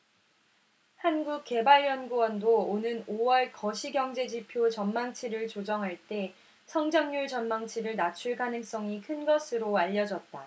한국개발연구원도 오는 오 월 거시경제지표 전망치를 조정할 때 성장률 전망치를 낮출 가능성이 큰 것으로 알려졌다